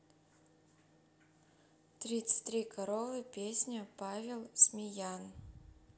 тридцать три коровы песня павел смеян